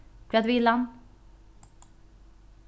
hvat vil hann